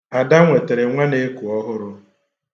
Ada nwetere nwaneku ọhụrụ.